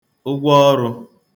ụgwọ ọrụ̄